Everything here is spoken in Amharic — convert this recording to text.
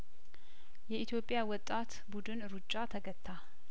የኢትዮጵያ ወጣት ቡድን ሩጫ ተገታ